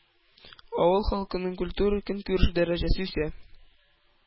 Авыл халкының культура-көнкүреш дәрәҗәсе үсә.